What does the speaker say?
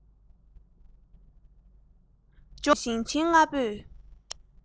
ལྗོངས དང ཞིང ཆེན ལྔ བོས